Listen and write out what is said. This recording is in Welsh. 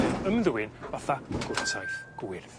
mae o'n ymddwyn fatha gwrtaith gwyrdd.